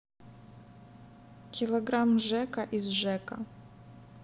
килограмм жека из жэка